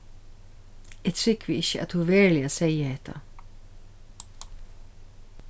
eg trúgvi ikki at tú veruliga segði hetta